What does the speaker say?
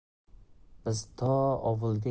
biz to ovulga